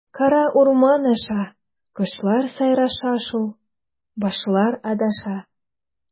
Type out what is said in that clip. Кара урман аша, кошлар сайраша шул, башлар адаша.